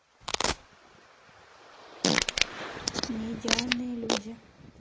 неидеальные люди